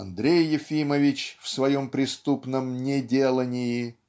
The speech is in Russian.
Андрей Ефимович в своем преступном неделании